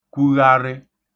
kwugharị